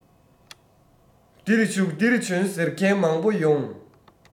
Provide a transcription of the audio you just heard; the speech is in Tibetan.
འདིར བཞུགས འདིར འབྱོན ཟེར མཁན མང པོ ཡོང